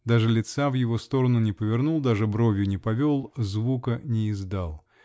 даже лица в его сторону не повернул, даже бровью не повел, звука не издал.